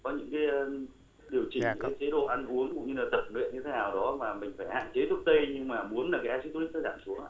có những cái điều chỉnh những cái chế độ ăn uống cũng như là tập luyện như thế nào đó mà mình phải hạn chế thuốc tây nhưng mà muốn là cái a xít u rích nó giảm xuống ạ